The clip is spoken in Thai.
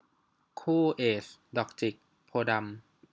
คู่เอซดอกจิกโพธิ์ดำ